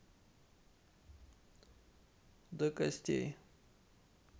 до костей